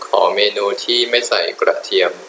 ขอเมนูที่ไม่ใส่กระเทียม